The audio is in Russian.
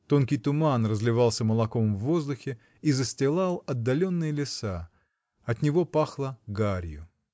тонкий туман разливался молоком в воздухе и застилал отдаленные леса от него пахло гарью.